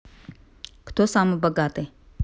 кто самый богатый